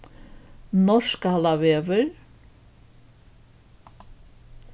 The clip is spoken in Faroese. norðskálavegur